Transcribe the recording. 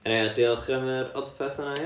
Eniwê diolch am yr Odpeth yna ia